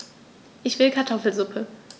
Ich will Kartoffelsuppe.